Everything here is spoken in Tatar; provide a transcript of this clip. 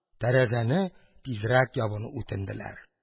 Тәрәзәне тизрәк ябуны үтенделәр.